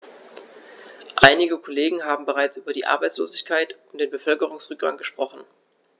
Einige Kollegen haben bereits über die Arbeitslosigkeit und den Bevölkerungsrückgang gesprochen.